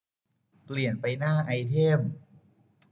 เปลี่ยนไปหน้าไอเทม